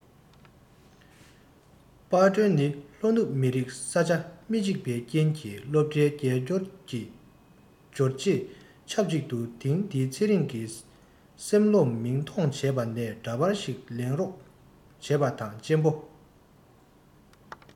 དཔལ སྒྲོན ནི ལྷོ ནུབ མི རིགས ས ཆ མི གཅིག པའི རྐྱེན གྱི སློབ གྲྭའི རྒྱལ སྒོར འབྱོར རྗེས ཆབ གཅིག དུས དེར ཚེ རིང གི སེམས སློབ མིང མཐོང བ བྱས ནས འདྲ པར ཞིག ལེན རོགས བྱེད དང གཅེན པོ